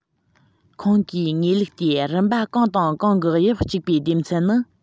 ཁོང གིས ངེས ལུགས ཏེ རིམ པ གང དང གང གི དབྱིབས གཅིག པའི སྡེ ཚན ནི